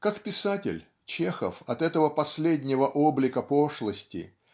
Как писатель Чехов от этого последнего облика пошлости